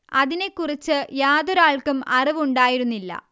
അതിനെക്കുറിച്ച് യാതൊരാൾക്കും അറിവുണ്ടായിരുന്നില്ല